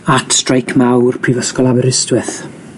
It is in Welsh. At streic mawr prifysgol Aberystwyth.